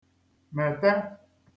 mète